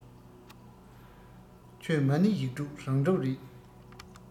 ཆོས མ ཎི ཡིག དྲུག རང གྲུབ རེད